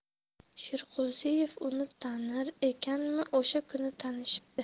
sherqo'ziev uni tanir ekanmi o'sha kuni tanishibdi